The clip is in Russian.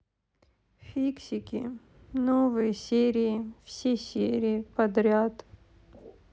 фиксики новые серии все серии подряд